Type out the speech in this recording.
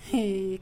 Ee